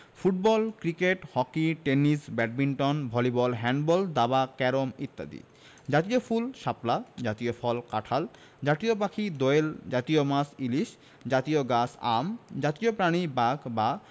football cricket hockey tennis badminton volleyball handball দাবা carrom ইত্যাদি জাতীয় ফুলঃ শাপলা জাতীয় ফলঃ কাঁঠাল জাতীয় পাখিঃ দোয়েল জাতীয় মাছঃ ইলিশ জাতীয় গাছঃ আম জাতীয় প্রাণীঃ বাঘ বা